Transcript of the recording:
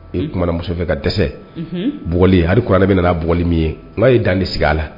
E tumana muso fɛ ka dɛsɛ bli haliuran bɛ bli min ye n'a ye dan de sigi a la